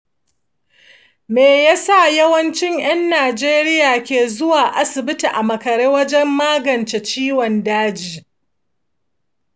me ya sa yawancin ’yan najeriya ke zuwa asibiti a makare wajen maganin ciwon daji?